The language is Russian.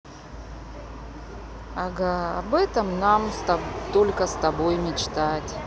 ага об этом нам только с тобой мечтать